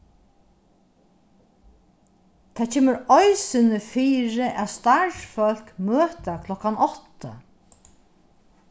tað kemur eisini fyri at starvsfólk møta klokkan átta